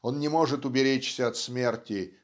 он не может уберечься от смерти